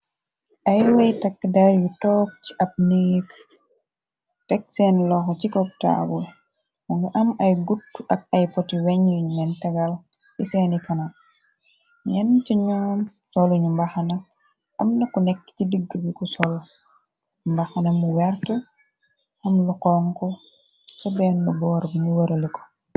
Ay wey takkdeer yu toog ci ab niig tek seen loxo ci koptaab mu ngi am ay gut ak aypoti wenu men tagal i seeni kana ñenn ca ñoom solu ñu mbaxana am na ko nekk ci digg bi ku solu mbaxana mu wert amlu konk ca benn boor bi ñu wërali ko.